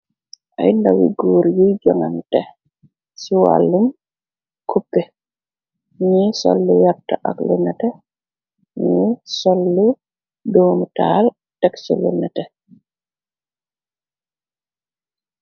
Ay ndawi guur yi jonante ci wàllum cuppe ñi sollu yatt ak lu nate ni sollu duumu taal tekci lu nate.